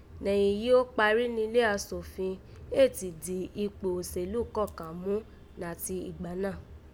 Nẹ̀yìn yìí ó kparí nílé asòfin, éè tí dì ikpò òsèlú kọ́kàn mú má nàti ìgbà náà